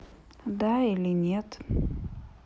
да или нет